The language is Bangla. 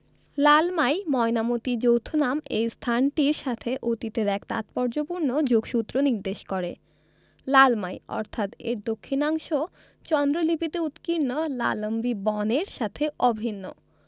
লালমাই ময়নামতী যৌথনাম এ স্থানটির সাথে অতীতের এক তাৎপর্যপূর্ণ যোগসূত্র নির্দেশ করে লালমাই অর্থাৎ এর দক্ষিণাংশ চন্দ্র লিপিতে উৎকীর্ণ লালম্বী বন এর সাথে অভিন্ন